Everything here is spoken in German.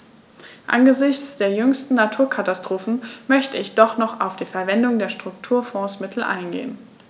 Angesichts der jüngsten Naturkatastrophen möchte ich doch noch auf die Verwendung der Strukturfondsmittel eingehen.